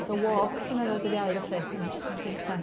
So, walk ti'n meddwl dydd Iau felly, yn hytrach na jinsan?